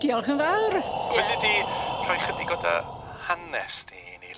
Diolch yn fawr. Fedri di rhoi chydig o dy hanes ti i ni...